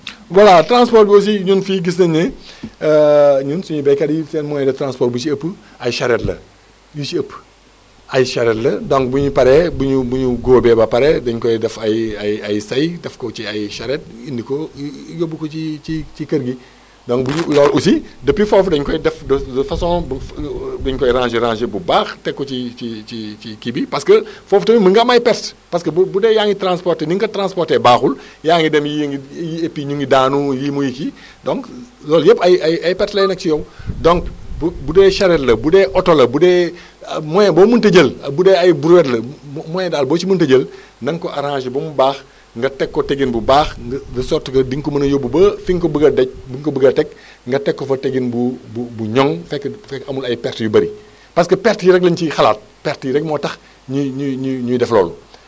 voilà transport bi aussi ñun fii gis nañ ne ñun suñu béykat yi seen moyens de transport bu si ëpp ay charette la yu si ëpp ay charette la donc bu énu paree bu ñu bu ñu góobee ba pare dañ koy def ay ay ay ay say def ko ci ay ay charette indi ko yóbbu ko ci ci ci kër gi donc loolu aussi depuis foofu dañ koy def de de façon bu ñu koy ranger ranger bu baax teg ko ci ci ci ci kii bi parce que foofu tamit mën nga am ay perte parce que :frab bu dee yaa ngi transporter ni nga ko transporter baaxul yaa ngi dem yii a ngi yi ëpp ~u ngi daanu yii muy kii donc loolu yëpp ay ay perte lay nekk ci yow donc bu bu dee charette la bu dee oto la bu dee moyen boo mën a jël bu dee ay brouette la moyen daal boo ci mën a jël na nga ko arrangé ba mu baax nga teg ko tegin bu baax nga de sorte que di nga ko mën a yóbbu ba fi nga ko bëgg a déj bi nga ko bëggee teg nga teg ko fa tegin bu bu bu ñoŋ fekk fekk amul ay perte yu bëri parce que perte yi rek la ñu siy xalaat perte yi rek moo tax ñuy ñuy ñuy def loolu